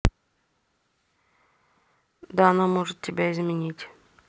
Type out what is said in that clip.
да она может тебя изменить